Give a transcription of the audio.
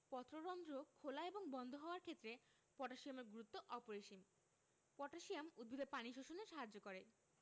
পত্ররন্ধ্র খেলা এবং বন্ধ হওয়ার ক্ষেত্রে পটাশিয়ামের গুরুত্ব অপরিসীম পটাশিয়াম উদ্ভিদে পানি শোষণে সাহায্য করে